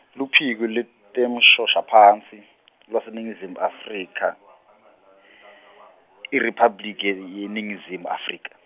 Luphiko lweTemshoshaphasi, lwaseNingizimu Afrika , IRiphabliki yeNi- yeNingizimu Afrika.